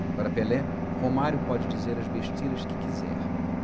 para pelé romário pode dizer as besteiras que quiser